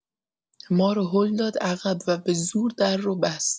مارو هول داد عقب و به‌زور در رو بست.